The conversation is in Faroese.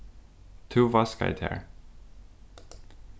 tú vaskaði tær